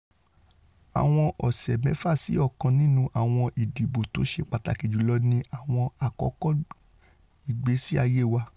Àwọn ọ̀sẹ̀ mẹ́fà sí ọ̀kan nínú àwọn ìdìbò tóṣe pàtàkì jùlọ ní àwọn àkókò ìgbésí-ayé wa.